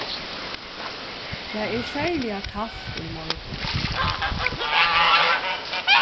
tað er serliga kalt í morgun